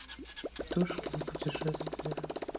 птушкин путешествия